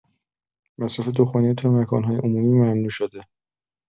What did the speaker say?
مصرف دخانیات توی مکان‌های عمومی ممنوع شده.